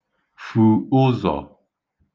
fù ụzọ̀